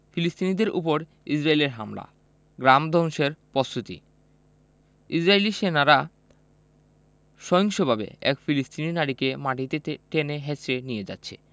ফিলিস্তিনিদের ওপর ইসরাইলের হামলা গ্রাম ধ্বংসের প্রস্তুতি ইসরাইলী সেনারা সহিংসভাবে এক ফিলিস্তিনি নারীকে মাটিতে টে টেনে হেঁচড়ে নিয়ে যাচ্ছে